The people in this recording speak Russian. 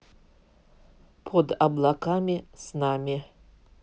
под облаками с нами